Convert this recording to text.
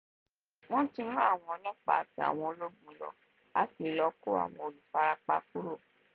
Wọ́n ti rán àwọn ọlọ́pàá àti àwọn ológun lọ láti lè kó àwọn olùfarapa kúrò.